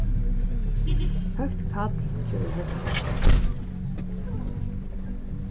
høgt kall gevur høgt fall